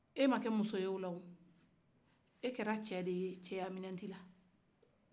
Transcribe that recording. e ma kɛ muso ye o la et kɛra cɛ de ye cɛya minan tila